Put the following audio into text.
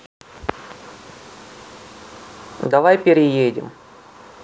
давай перейдем